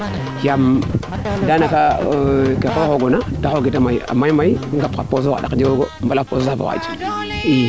yaam danaka ke xoxogoona a may may ndaf xa poos jegooga